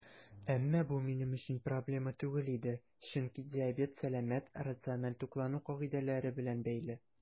Әмма бу минем өчен проблема түгел иде, чөнки диабет сәламәт, рациональ туклану кагыйдәләре белән бәйле.